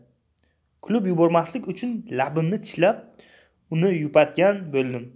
kulib yubormaslik uchun labimni tishlab uni yupatgan bo'ldim